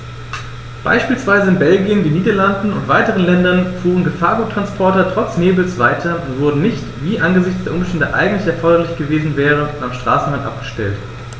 Beispielsweise in Belgien, den Niederlanden und weiteren Ländern fuhren Gefahrguttransporter trotz Nebels weiter und wurden nicht, wie es angesichts der Umstände eigentlich erforderlich gewesen wäre, am Straßenrand abgestellt.